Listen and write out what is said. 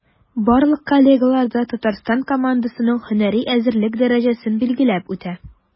Барлык коллегалар да Татарстан командасының һөнәри әзерлек дәрәҗәсен билгеләп үтә.